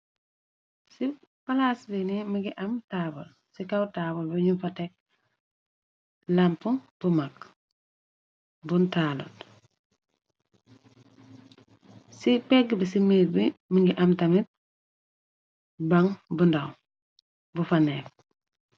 Palaas bi mongi am taabul ci kaw taabul bi nyun fa teg lampa bu mag bun taalut ci pegg bi ci miir bi mongi am tamit bang bu ndaw bu fa neex.